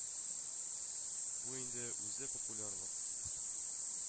Бу инде үзе популярлык